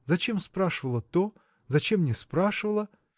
зачем спрашивала то, зачем не спрашивала.